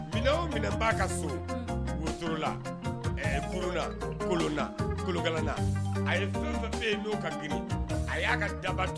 Jinɛ kolonna kolokala a ye furu fɛn a y'a ka daba